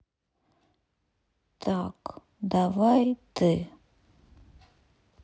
так давай ты